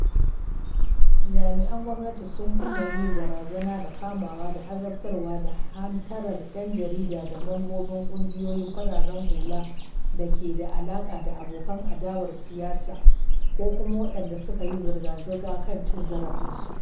Jami’an gwamnati sun kuma yi barazana da kamawa da azabtarwa da hantarar ‘yan jarida da mambobin ƙugiyoyin fararen hula da ke da alaƙa da abokan adawar siyasa ko kuma waɗanda suka yi zanga-zanga kan cin zarafinsu.